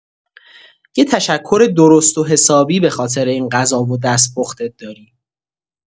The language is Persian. یه تشکر درست و حسابی به‌خاطر این غذا و دستپختت داری!